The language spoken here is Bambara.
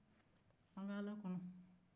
an ka ala kɔnɔn